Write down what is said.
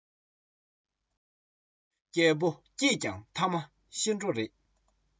རྒྱལ པོ སྐྱིད ཀྱང ཐ མ ཤི འགྲོ རེད